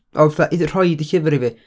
Oedd, fatha, idd- rhoid y llyfr i fi,